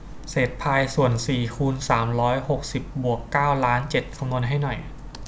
เศษพายส่วนสี่คูณสามร้อยหกสิบบวกเก้าล้านเจ็ด